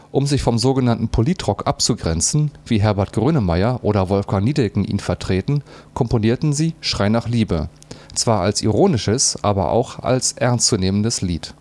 Um sich vom so genannten Politrock abzugrenzen, wie Herbert Grönemeyer oder Wolfgang Niedecken ihn vertreten, komponierten sie „ Schrei nach Liebe “zwar als ironisches aber auch ernst zu nehmendes Lied